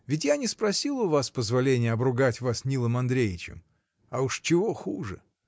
Ведь я не спросил у вас позволения обругать вас Нилом Андреичем — а уж чего хуже?